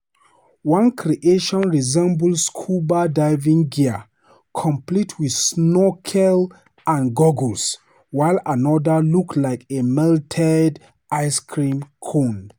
One creation resembled scuba diving gear complete with snorkel and goggles, while another looked like a melted ice cream cone.